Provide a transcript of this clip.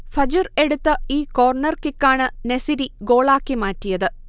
Fajr എടുത്ത ഈ corner കിക്കാണ് നെസിരി ഗോളാക്കി മാറ്റിയത്